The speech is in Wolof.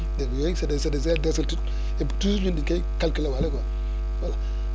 dégg nga yooyu c' est des c' est des incertitudes et toujours ñun dañu koy calculer waale quoi voilà